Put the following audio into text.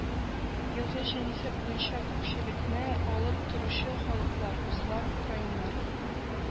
Елгы җанисәп буенча күпчелекне алып торучы халыклар: руслар, украиннар